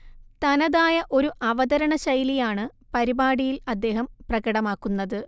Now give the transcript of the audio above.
തനതായ ഒരു അവതരണ ശൈലിയാണ് പരിപാടിയിൽ അദ്ദേഹം പ്രകടമാക്കുന്നത്